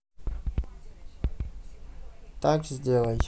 так сделай